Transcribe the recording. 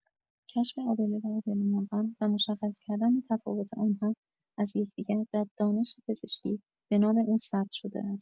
کشف آبله و آبله‌مرغان و مشخص کردن تفاوت آنها از یکدیگر در دانش پزشکی، به‌نام او ثبت شده است.